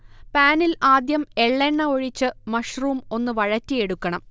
പാനിൽ ആദ്യം എള്ളെണ്ണ ഒഴിച്ച് മഷ്റൂം ഒന്ന് വഴറ്റിയെടുക്കണം